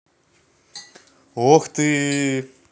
ох ты